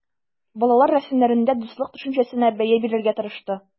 Балалар рәсемнәрендә дуслык төшенчәсенә бәя бирергә тырышты.